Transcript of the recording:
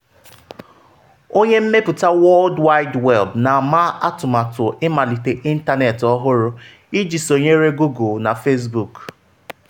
Onye Mmepụta World Wide Web Na-ama Atụmatụ Ịmalite Ịntanetị Ọhụrụ Iji Sonyere Google na Facebook